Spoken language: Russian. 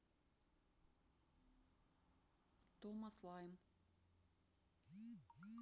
тома слайм